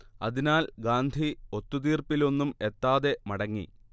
അതിനാൽ ഗാന്ധി ഒത്തുതീർപ്പിലൊന്നും എത്താതെ മടങ്ങി